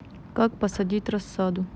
как посадить рассаду